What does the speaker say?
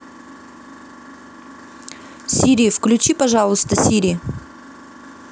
сири включи пожалуйста сири